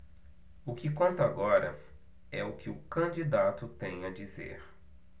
o que conta agora é o que o candidato tem a dizer